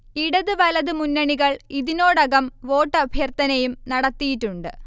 ഇടത് വലത് മുന്നണികൾ ഇതിനോടകം വോട്ടഭ്യർത്ഥനയും നടത്തിയിട്ടുണ്ട്